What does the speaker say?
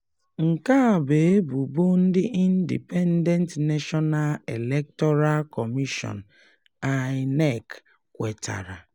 Nke a bụ ebubo ndị Independent National Electoral Commission (INEC) kwetara.